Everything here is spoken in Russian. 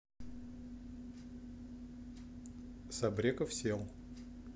сабреков сел